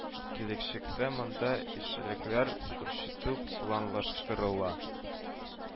Киләчәктә монда ишәлекләр үрчетү планлаштырыла